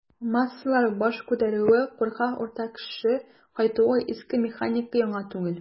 "массалар баш күтәрүе", куркак "урта кеше" кайтуы - иске механика, яңа түгел.